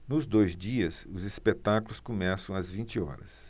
nos dois dias os espetáculos começam às vinte horas